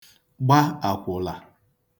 gba àkwụ̀là